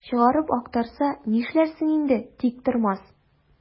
Чыгарып актарса, нишләрсең инде, Тиктормас?